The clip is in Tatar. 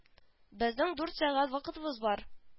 - безнең дүрт сәгать вакытыбыз бар